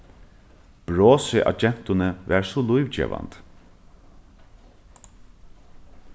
brosið á gentuni var so lívgevandi